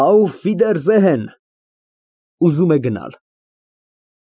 Աուֆվիդերզեհեն։ (Ուզում է գնալ)։